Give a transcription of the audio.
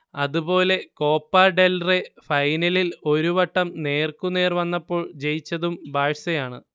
അതുപോലെ Copa del Rey ഫൈനലിൽ ഒരു വട്ടം നേർക്കുനേർ വന്നപ്പോൾ ജയിച്ചതും ബാഴ്സയാണ്